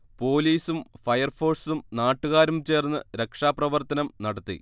പോലീസും ഫയർഫോഴ്സും നാട്ടുകാരും ചേർന്ന് രക്ഷാപ്രവർത്തനം നടത്തി